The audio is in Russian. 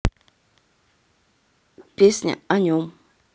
песня о нем